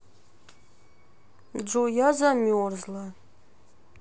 джой я замерзла